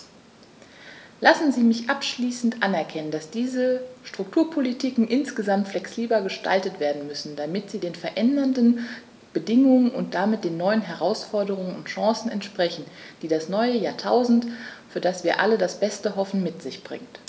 Lassen Sie mich abschließend anmerken, dass die Strukturpolitiken insgesamt flexibler gestaltet werden müssen, damit sie den veränderten Bedingungen und damit den neuen Herausforderungen und Chancen entsprechen, die das neue Jahrtausend, für das wir alle das Beste hoffen, mit sich bringt.